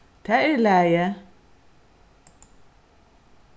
tað er í lagi